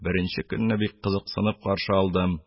, беренче көнне бик кызыксынып каршы алдым.